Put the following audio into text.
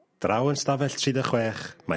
Draw yn stafell tri de chwech mae...